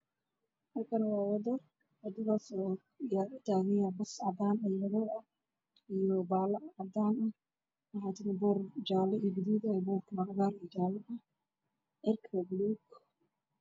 Waa laami waxaa maraayo gaari bas aha